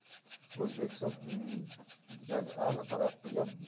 o'zbekiston jadal taraqqiyot